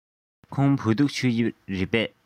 ཁོང བོད ཐུག མཆོད ཀྱི རེད པས